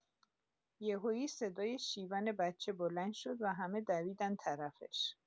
یهویی صدای شیون بچه بلند شد و همه دویدن طرفش.